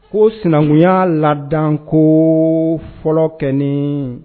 Ko sinankun ya ladan ko fɔlɔ kɛni